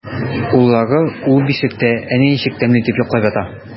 Уллары ул бишектә әнә ничек тәмле итеп йоклап ята!